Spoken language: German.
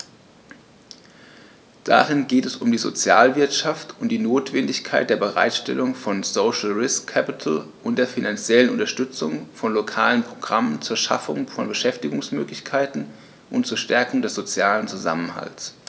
Darin geht es um die Sozialwirtschaft und die Notwendigkeit der Bereitstellung von "social risk capital" und der finanziellen Unterstützung von lokalen Programmen zur Schaffung von Beschäftigungsmöglichkeiten und zur Stärkung des sozialen Zusammenhalts.